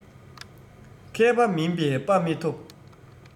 མཁས པ མིན པས དཔའ མི ཐོབ